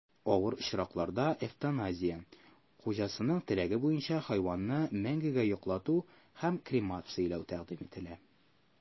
Авыр очракларда эвтаназия (хуҗасының теләге буенча хайванны мәңгегә йоклату һәм кремацияләү) тәкъдим ителә.